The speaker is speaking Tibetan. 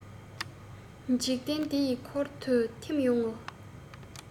འཇིག རྟེན འདི ཡི འཁོར དུ ཐིམ ཡོང ངོ